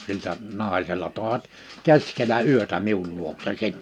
siltä naisella toivat keskellä yötä minun luokse sen